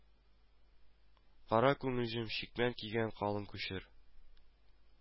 Кара күгелҗем чикмән кигән калын кучер